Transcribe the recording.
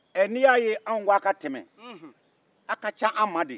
ni i y'a n ko a ka tɛmɛ aw ka ca an ma dɛ